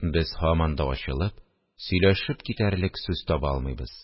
Без һаман да ачылып сөйләшеп китәрлек сүз таба алмыйбыз